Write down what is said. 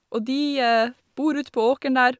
Og de bor utpå åkeren der.